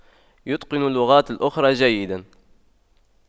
يتقن لغات الأخرى جيدا